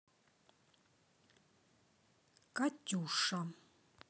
катюша